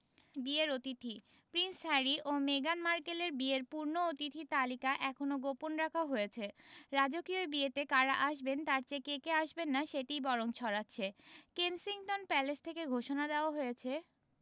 বিয়ের অতিথি Prince Harry ও মেগান মার্কেলের বিয়ের পূর্ণ অতিথি তালিকা এখনো গোপন রাখা হয়েছে রাজকীয় এই বিয়েতে কারা আসবেন তার চেয়ে কে কে আসবেন না সেটিই বরং বেশি ছড়াচ্ছে কেনসিংটন প্যালেস থেকে ঘোষণা দেওয়া হয়েছে